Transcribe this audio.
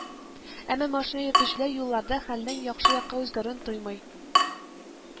Әмма машина йөртүчеләр юлларда хәлнең яхшы якка үзгәрүен тоймый